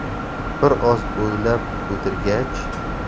bir oz o'ylab o'tirgach